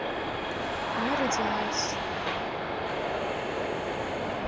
не родилась